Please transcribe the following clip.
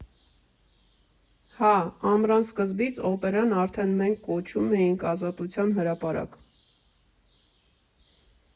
Հա՛, ամռան սկզբից Օպերան արդեն մենք կոչում էին Ազատության հրապարակ։